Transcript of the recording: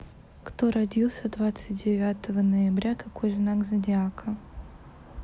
кто родился двадцать девятого ноября какой знак зодиака